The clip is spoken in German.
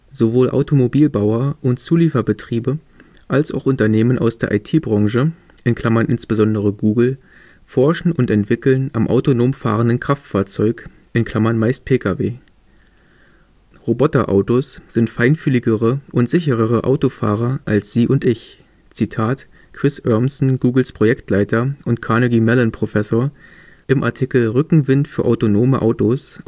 Sowohl Automobilbauer und Zulieferbetriebe, als auch Unternehmen aus der IT-Branche (insbesondere Google) forschen und entwickeln am autonom fahrenden Kraftfahrzeug (meist Pkw). „ Roboter-Autos sind feinfühligere und sicherere Autofahrer als Sie und ich “(Chris Urmson, Googles Projektleiter und Carnegie-Mellon-Professor: heise.de: " Rückenwind für autonome Autos